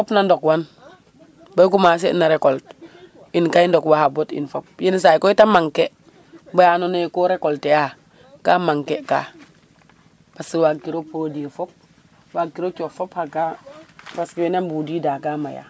Fop na ndokwan bo i commencer na recolte in ka i ndokwa xa bot in fop yenisaay koy ta manquer baya andoona ye ko recolter a ka manquer ka parce que waagkiro produir fop waagkiro coox fop xa gant parce que we na mbudida ka maya.